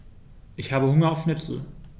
Ich habe Hunger auf Schnitzel.